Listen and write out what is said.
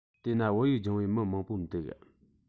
དེས ན བོད ཡིག སྦྱོང བའི མི མང པོ འདུག